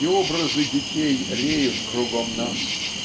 И образы детей реют кругом нас.